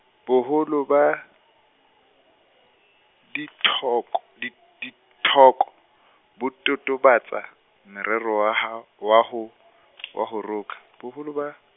boholo ba, dithok-, di dithoko, bo totobatsa morero wa ha wa ho, wa ho roka, boholo ba.